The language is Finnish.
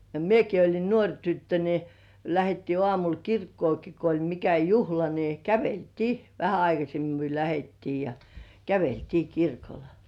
ja minäkin olin nuori tyttö niin lähdettiin aamulla kirkkoonkin kun oli mikä juhla niin käveltiin vähän aikaisemmin me lähdettiin ja käveltiin kirkolle